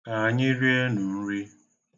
Ka anyị rienụ nri.